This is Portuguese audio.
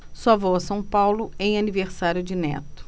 só vou a são paulo em aniversário de neto